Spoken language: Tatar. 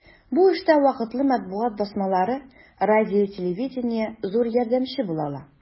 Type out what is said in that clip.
Бу эштә вакытлы матбугат басмалары, радио-телевидение зур ярдәмче була ала.